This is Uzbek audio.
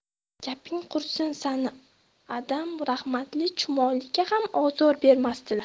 gaping qursin sani adam rahmatli chumoliga ham ozor bermasidilar